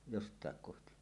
jostakin kohti